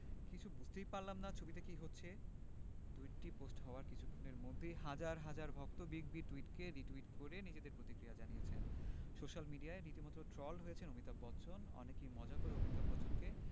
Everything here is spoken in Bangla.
কিছু বুঝতেই পারলাম না ছবিতে কী হচ্ছে টুইটটি পোস্ট হওয়ার কিছুক্ষণের মধ্যেই হাজার হাজার ভক্ত বিগ বির টুইটকে রিটুইট করে নিজেদের প্রতিক্রিয়া জানিয়েছেন সোশ্যাল মিডিয়ায় রীতিমতো ট্রোলড হয়েছেন অমিতাভ বচ্চন অনেকেই মজা করে অমিতাভ বচ্চনকে